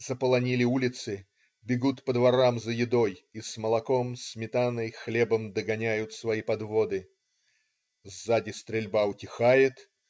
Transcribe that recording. Заполонили улицы, бегут по дворам за едой и с молоком, сметаной, хлебом догоняют свои подводы. Сзади стрельба утихает.